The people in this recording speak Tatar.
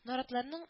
Наратларның